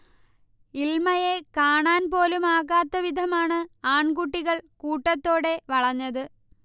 ഇൽമയെ കാണാൻപോലും ആകാത്ത വിധമാണ് ആൺകുട്ടികൾ കൂട്ടത്തോടെ വളഞ്ഞത്